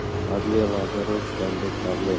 adliya vaziri ruslanbek davletov